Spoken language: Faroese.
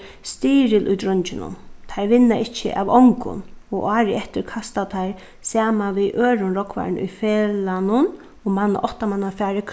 stirðil í dreingjunum teir vinna ikki av ongum og árið eftir kasta teir saman við øðrum rógvarum í felagnum og manna áttamannafarið